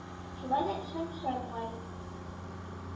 Шулай да эшем пешә бугай